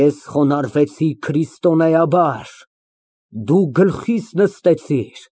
Ես խոնարհվեցի քրիստոնեաբար, դու գլխիս նստեցիր։